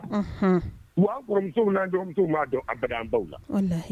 U'a fɔ musow dɔn' dɔn a baw la